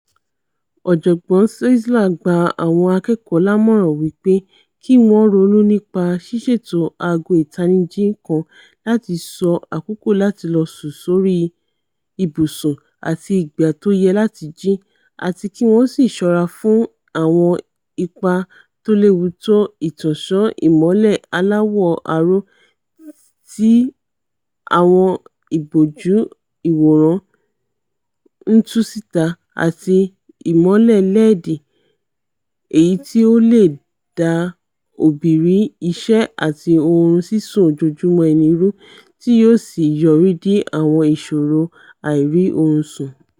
Ọ̀jọ̀gbọ́n Czeisler gba àwọn akẹ́kọ̀ọ́ lámọ̀ràn wí pé ki wọ́n ronú nipa ṣíṣètò aago ìtanijí kan láti sọ àkókò láti lọ sórí ibùsùn, àti ìgbà tóyẹ láti jí, àti kí wọn sì sọ́ra fun àwọn ipa tóléwuto 'ìtànsán ìmọlẹ̀ aláwọ̀ aró' tí àwọn ìbòjù ìwòran ńtú síta àti ìmọ́lẹ̀ LED, èyití o leè da òbìrí iṣẹ́ àti oorun sísùn ojoójúmọ ẹni ru, tí yóò sì yọrídí àwọn ìṣòro àìrí-oorun sùn.